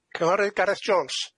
Cyfarwydd Gareth Jones.